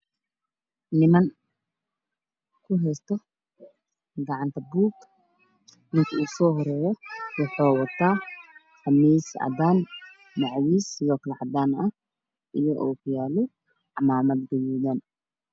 Halkan waxaa laga heli karaa buuggaag iyo qalimaan nooc walba ah waxaan lska leh arday